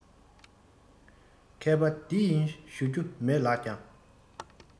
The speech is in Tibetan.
མཁས པ འདི ཡིན ཞུ རྒྱུ མེད ལགས ཀྱང